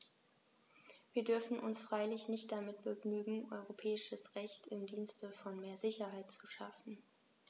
Wir dürfen uns freilich nicht damit begnügen, europäisches Recht im Dienste von mehr Sicherheit zu schaffen.